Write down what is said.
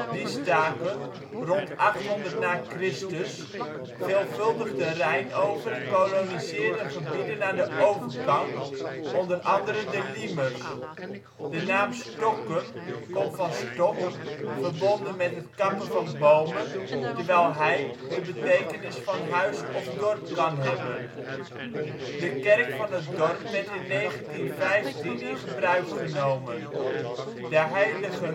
Die staken, rond 800 na Christus, veelvuldig de Rijn over en koloniseerden gebieden aan de overkant (o.a. de Liemers). De naam Stokkum komt van " Stok ", verbonden met het kappen van bomen, terwijl " heim " de betekenis van huis of dorp kan hebben. De kerk van het dorp werd in 1915 in gebruik genomen. De Heilige